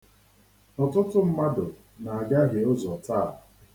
Ọtụtụ mmadụ na-agaghie ụzọ taa.